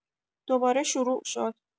دوباره شروع شد